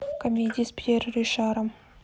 комедии с пьер ришаром